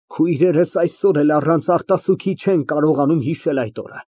Քույրերս այսօր էլ առանց արտասուքի չեն կարողանում հիշել այդ օրը։